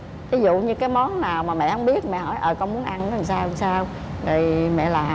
thí dụ như cái món nào mà mẹ hông biết mẹ hỏi ờ con muốn ăn nó làm sao làm sao rồi mẹ làm